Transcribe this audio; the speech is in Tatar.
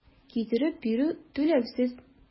Китереп бирү - түләүсез.